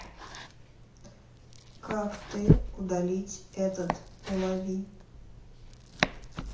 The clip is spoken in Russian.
как ты удалить этот улови